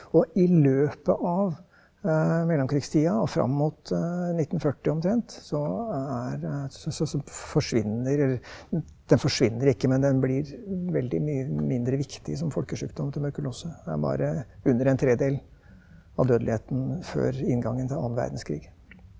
og i løpet av mellomkrigstida og fram mot 1940 omtrent så er så så så forsvinner, eller den forsvinner ikke, men den blir veldig mye mindre viktig som folkesjukdom tuberkulose er bare under en tredel av dødeligheten før inngangen til annen verdenskrig.